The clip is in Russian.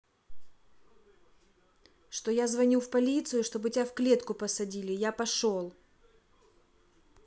что я звоню в полицию чтобы тебя в клетку посадили я пошел